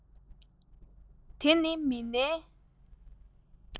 དེ ནི མི སྣའི